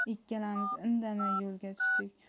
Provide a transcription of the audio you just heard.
ikkalamiz indamay yo'lga tushdik